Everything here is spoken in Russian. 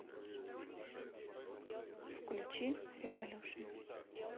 включи революшн